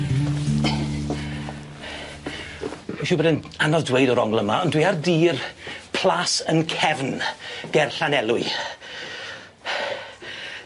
Dwi'n siŵr bod e'n anodd dweud o'r ongl yma ond dwi ar dir plas yn cefn ger Llanelwy.